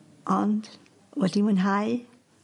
Ond wedi mwynhau